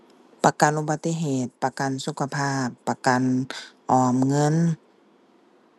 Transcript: ประกันอุบัติเหตุ ประกันสุขภาพ ประกัน ออมเงิน